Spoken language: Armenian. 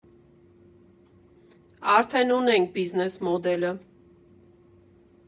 Արդեն ունենք բիզնես մոդելը։